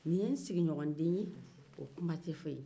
nin ye ne sigiɲɔgɔn den ye o kuma tɛ fɔ yen